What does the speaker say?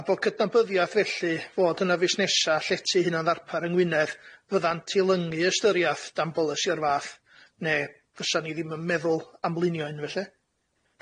A bod cydnabyddiaeth felly fod yna fis nesa llety hunan ddarpar yng Ngwynedd fyddant i lyngu ystyriaeth dan bolisi o'r fath ne' fysan ni ddim yn meddwl amlunio un felly.